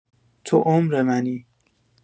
تو عمر منی